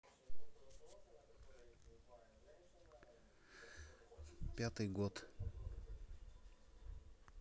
пятый год